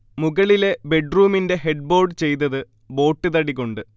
മുകളിലെ ബെഡ്റൂമിന്റെ ഹെഡ്ബോർഡ് ചെയ്തത് ബോട്ട്തടി കൊണ്ട്